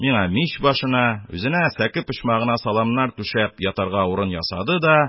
Миңа мич башына, үзенә сәке почмагына саламнар түшәп, ятарга урын ясады да,